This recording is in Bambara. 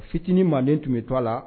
Fitinin manden tun bɛ to la